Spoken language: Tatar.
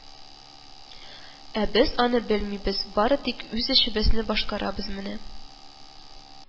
Ә без аны белмибез, бары тик үз эшебезне башкарабыз – менә